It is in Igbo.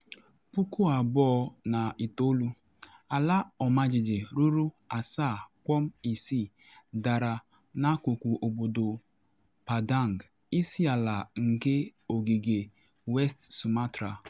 2009: Ala ọmajiji ruru 7.6 dara n’akụkụ obodo Padang, isi ala nke ogige West Sumatra.